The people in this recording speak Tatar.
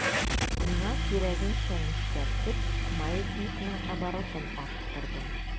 Миңа кирәгенчә нечкәртеп, маятникның оборотын арттырдым.